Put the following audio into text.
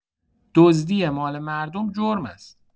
دزدی مال مردم جرم است.